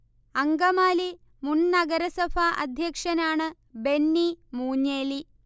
അങ്കമാലി മുൻ നഗരസഭാ അധ്യക്ഷനാണ് ബെന്നി മൂഞ്ഞേലി